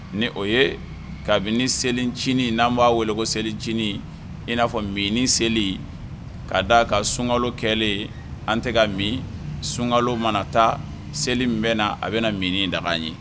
Ni o ye kabini selicinin n'an b'a weele ko selicinin in n'a fɔ mini seli k'a daa ka sunka kɛlen an tɛ ka min sunka mana taa seli min bɛ na a bɛna mini da an ye